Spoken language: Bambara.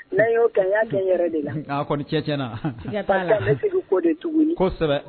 Ne y'o ka kɛ yɛrɛ de la' kɔni cɛɲɛnaɲɛna ko tugun kosɛbɛ